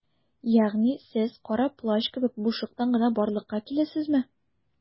Ягъни сез Кара Плащ кебек - бушлыктан гына барлыкка киләсезме?